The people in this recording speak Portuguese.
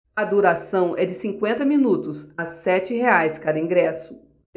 a duração é de cinquenta minutos a sete reais cada ingresso